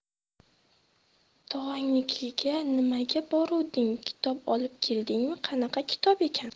tog'angnikiga nimaga boruvding kitob olib keldingmi qanaqa kitob ekan